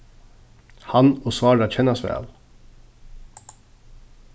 hann og sára kennast væl